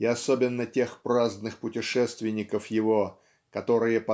и особенно тех праздных путешественников его которые